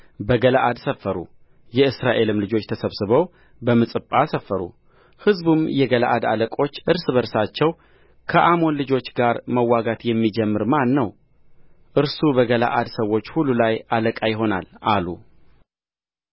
በገለዓድ ሰፈሩ የእስራኤልም ልጆች ተሰብስበው በምጽጳ ሰፈሩ ሕዝቡም የገለዓድ አለቆች እርስ በእርሳቸው ከአሞን ልጆች ጋር መዋጋት የሚጀምር ማን ነው እርሱ በገለዓድ ሰዎች ሁሉ ላይ አለቃ ይሆናል አሉ